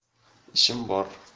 ishim bor